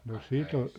no sitä on